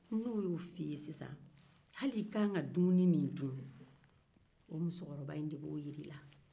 hali i ka kan ka dumuni min dun o musokɔrɔba in b'o jira i la